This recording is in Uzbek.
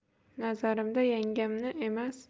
nazarimda yangamni emas